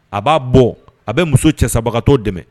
A b'a bɔ a bɛ muso cɛsabagatɔw dɛmɛ